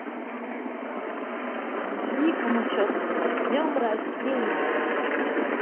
анжелика начесова с днем рождения